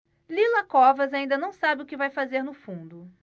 lila covas ainda não sabe o que vai fazer no fundo